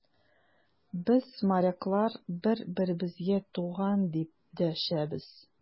Без, моряклар, бер-беребезгә туган, дип дәшәбез.